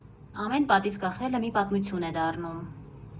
Ամեն պատից կախելը մի պատմություն է դառնում։